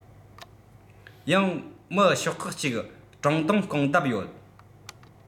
ཡང མི ཤོག ཁག ཅིག བྲང རྡུང རྐང རྡབ ཡོད